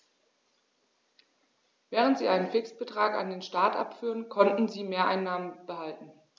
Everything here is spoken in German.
Während sie einen Fixbetrag an den Staat abführten, konnten sie Mehreinnahmen behalten.